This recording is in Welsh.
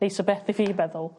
neis o beth i fi feddwl.